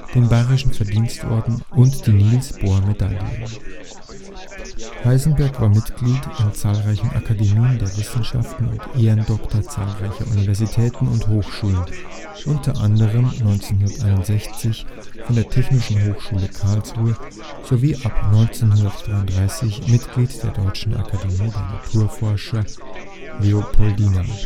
den Bayerischer Verdienstorden und die Niels-Bohr-Medaille. Heisenberg war Mitglied in zahlreichen Akademien der Wissenschaften und Ehrendoktor zahlreicher Universitäten und Hochschulen, unter anderem 1961 von der Technischen Hochschule Karlsruhe sowie ab 1933 Mitglied der Deutschen Akademie der Naturforscher Leopoldina